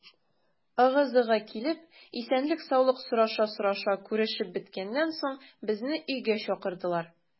Ыгы-зыгы килеп, исәнлек-саулык сораша-сораша күрешеп беткәннән соң, безне өйгә чакырдылар.